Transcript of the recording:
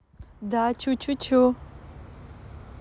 да чучучу